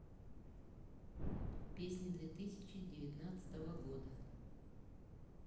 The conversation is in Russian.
песни две тысячи девятнадцатого года